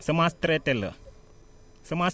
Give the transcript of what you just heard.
semence traitée la semence